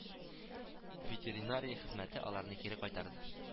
Ветеринария хезмәте аларны кире кайтарды